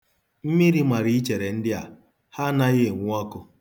Mmiri mara ichere ndị a, ha anaghị enwu ọkụ.